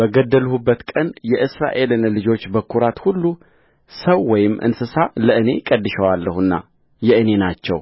በገደልሁበት ቀን የእስራኤልን ልጆች በኵራት ሁሉ ሰው ወይም እንስሳ ለእኔ ቀድሼአቸዋለሁና የእኔ ናቸው